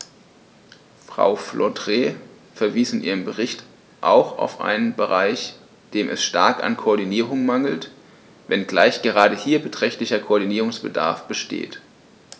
Frau Flautre verwies in ihrem Bericht auch auf einen Bereich, dem es stark an Koordinierung mangelt, wenngleich gerade hier beträchtlicher Koordinierungsbedarf besteht.